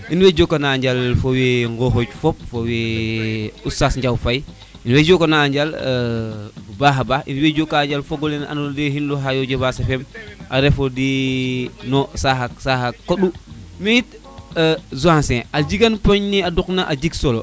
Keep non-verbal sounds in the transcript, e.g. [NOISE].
[MUSIC] in way jokana njal fo we ŋoxit fop fo we saas njaw fayiwe jokana a njal [HESITATION] bu baxa baax in way joka njal fogole ano ndaye de xilo xayo Jafas Fm a ref ndi no sax saxa koɗu mi it Zancier a jegan poñ ne a duk na a jegan solo